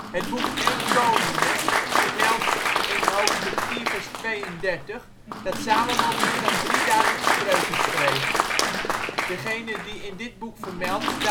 Het boek I Koningen vermeldt in 4:32 dat Salomo meer dan 3000 spreuken schreef. Degene die in dit boek vermeld